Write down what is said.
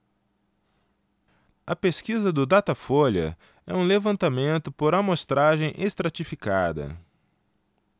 a pesquisa do datafolha é um levantamento por amostragem estratificada